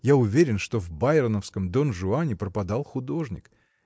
Я уверен, что в байроновском Дон Жуане пропадал художник.